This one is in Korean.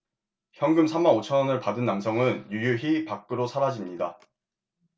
현금 삼 만 오 천 원을 받은 남성은 유유히 밖으로 사라집니다